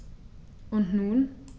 Und nun?